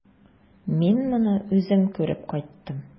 Мин моны үзем күреп кайттым.